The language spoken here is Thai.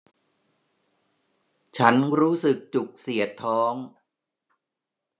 ฉันรู้สึกจุกเสียดท้อง